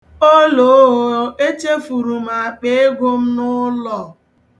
Olooo! Echefuru m akpeego m n'ụlọ.